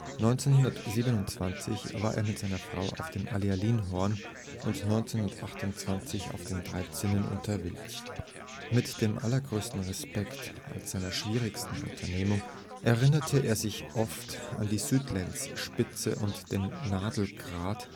1927 war er mit seiner Frau auf dem Allalinhorn und 1928 an den Drei Zinnen unterwegs. Mit dem allergrößten Respekt, als seiner schwierigsten Unternehmung, erinnerte er sich oft an die Südlenzspitze und den Nadelgrat